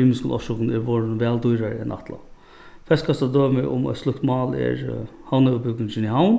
ymiskum orsøkum eru vorðin væl dýrari enn ætlað feskasta dømi um eitt slíkt mál er í havn